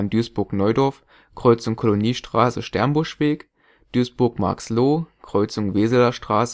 Duisburg-Neudorf: Kreuzung Koloniestraße/Sternbuschweg; Duisburg-Marxloh: Kreuzung Weseler Straße/Kaiser-Friedrich-Straße